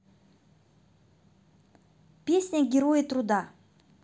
песня герои труда